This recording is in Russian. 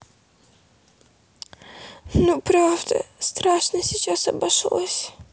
ну правда страшно сейчас обошлось